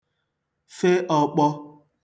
fe ọ̄kpọ̄